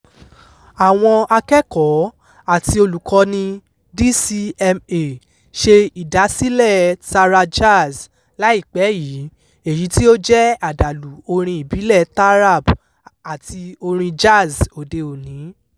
Àwọn akẹ́kọ̀ọ́ àti olùkọ́ni DCMA ṣe ìdásílẹ̀ẹ "TaraJazz" láì pẹ́ yìí, èyí tí ó jẹ́ àdàlù orin ìbílẹ̀ taarab àti orin Jazz òde òní.